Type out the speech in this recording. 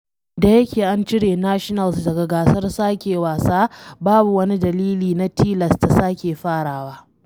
Da yake an cire Nationals daga gasar sake wasa, babu wani dalili na tilasta sake farawa.